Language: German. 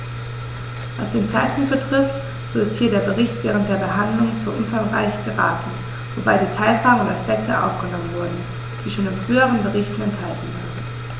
Was den Zeitpunkt betrifft, so ist hier der Bericht während der Behandlung zu umfangreich geraten, wobei Detailfragen und Aspekte aufgenommen wurden, die schon in früheren Berichten enthalten waren.